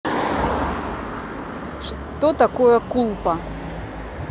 что такое culpa